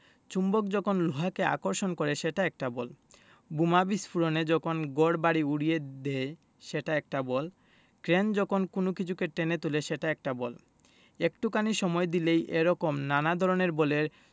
চুম্বক যখন লোহাকে আকর্ষণ করে সেটা একটা বল বোমা বিস্ফোরণে যখন ঘরবাড়ি উড়িয়ে দেয় সেটা একটা বল ক্রেন যখন কোনো কিছুকে টেনে তুলে সেটা একটা বল একটুখানি সময় দিলেই এ রকম নানা ধরনের বলের